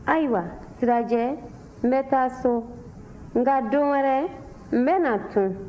ayiwa sirajɛ n bɛ taa so nka don wɛrɛ n bɛ na tun